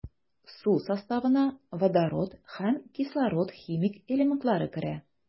Су составына водород һәм кислород химик элементлары керә.